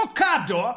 Avocado!